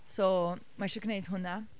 So, ma' isio gwneud hwnna.